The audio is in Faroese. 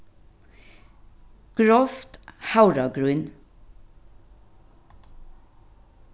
grovt havragrýn